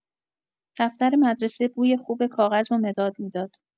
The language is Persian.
دفتر مدرسه بوی خوب کاغذ و مداد می‌داد.